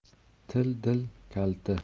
til dil kaliti